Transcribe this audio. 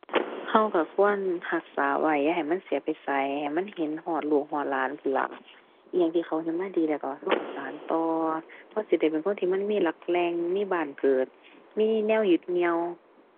เราเราควรรักษาไว้ อย่าให้มันเสียไปไส ให้มันเห็นฮอดลูกฮอดหลานพู้นล่ะ อิหยังที่เขาเฮ็ดมาดีแล้วก็ เราก็สานต่อ เราสิได้เป็นคนที่มันมีหลักแหล่ง มีบ้านเกิด มีแนวยึดเหนี่ยว